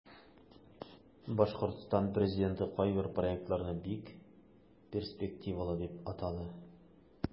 Башкортстан президенты кайбер проектларны бик перспективалы дип атады.